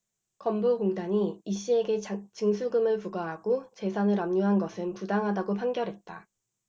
건보공단이 이씨에게 징수금을 부과하고 재산을 압류한 것은 부당하다고 판결했다